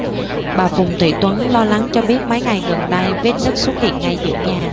bà phùng thị tuấn lo lắng cho biết mấy ngày gần đây vết nứt xuất hiện ngay giữa nhà